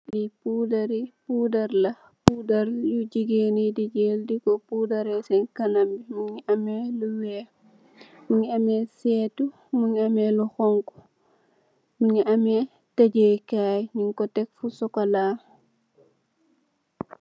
Li pudarr la, pudarr yu jigeen yi di jél diko pudarr réé sèèn kanam yi. Mugii ameh lu wèèx, mugii ameh settu, mugii ameh lu xonxu, mugii ameh tajee kai ñing ko tek fu sokola.